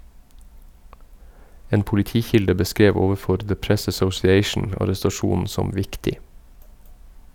En politikilde beskrev overfor The Press Association arrestasjonen som «viktig».